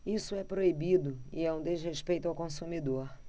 isso é proibido e é um desrespeito ao consumidor